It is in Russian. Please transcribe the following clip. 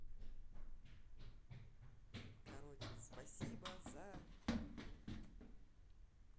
короче спасибо за